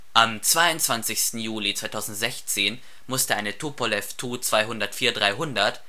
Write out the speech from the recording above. Am 22. Juli 2016 musste eine Tupolew Tu-204-300